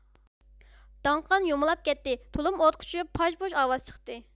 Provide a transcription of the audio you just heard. داڭقان يۇمۇلاپ كەتتى تۇلۇم ئوتقا چۈشۈپ پاژ پۇژ ئاۋاز چىقتى